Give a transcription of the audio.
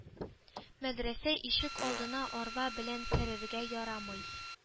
-мәдрәсә ишек алдына арба белән керергә ярамый,